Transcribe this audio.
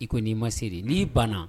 I kɔni i ma se de n'i banna